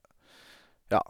Ja.